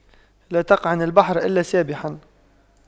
لا تقعن البحر إلا سابحا